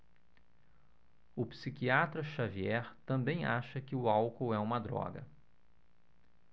o psiquiatra dartiu xavier também acha que o álcool é uma droga